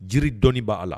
Jiri dɔnni b'a a la.